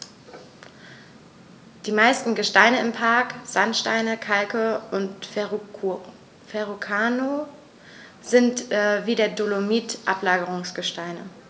Die meisten Gesteine im Park – Sandsteine, Kalke und Verrucano – sind wie der Dolomit Ablagerungsgesteine.